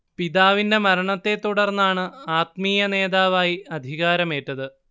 പിതാവിന്റെ മരണത്തെ തുടർന്നാണ് ആത്മീയനേതാവായി അധികാരമേറ്റത്